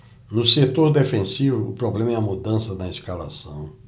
no setor defensivo o problema é a mudança na escalação